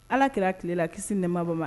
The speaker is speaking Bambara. Ala kɛra tilela kisi nɛ ma bamanan ma